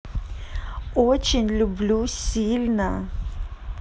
очень люблю сильно